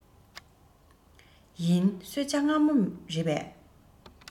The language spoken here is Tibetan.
ཡིན གསོལ ཇ མངར མོ རེད པས